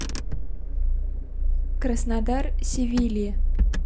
краснодар севилия